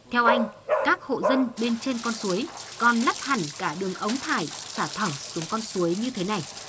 theo anh các hộ dân bên trên con suối còn lắp hẳn cả đường ống thải xả thẳng xuống con suối như thế này